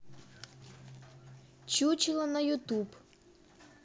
чучело на ютуб